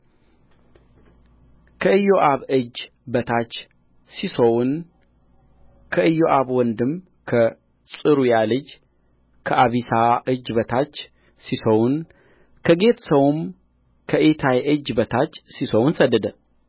ከኢዮአብ እጅ በታች ሲሶውን ከኢዮአብም ወንድም ከጽሩያ ልጅ ከአቢሳ እጅ በታች ሲሶውን ከጌት ሰውም ከኢታይ እጅ በታች ሲሶውን ሰደደ